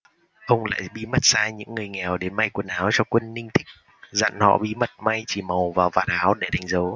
ông lại bí mật sai những người nghèo đến may quần áo cho quân ninh thích dặn họ bí mật may chỉ màu vào vạt áo để đánh dấu